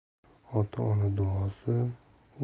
ota ona duosi